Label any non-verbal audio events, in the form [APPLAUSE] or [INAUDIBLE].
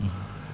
[HESITATION] [HESITATION]